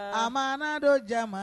A ma dɔ jama